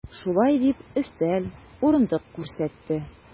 Шулай дип, өстәл, урындык күрсәтте.